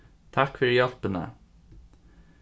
takk fyri hjálpina